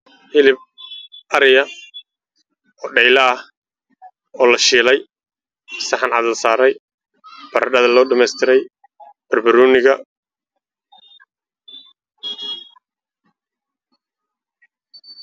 Waa hilib jilicsan oo ku jira saxan cadaan